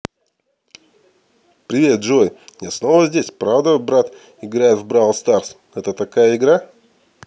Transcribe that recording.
привет джой я снова здесь правда брат играет в brawl stars это такая игра